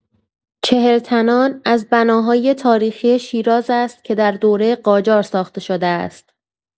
چهل‌تنان از بناهای تاریخی شیراز است که در دوره قاجار ساخته شده است.